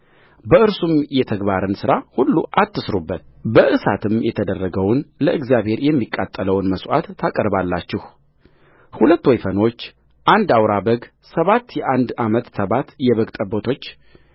በእርሱም የተግባርን ሥራ ሁሉ አትሥሩበትበእሳትም የተደረገውን ለእግዚአብሔር የሚቃጠለውን መሥዋዕት ታቀርባላችሁ ሁለት ወይፈኖች አንድ አውራ በግ ሰባት የአንድ ዓመት ተባት የበግ ጠቦቶች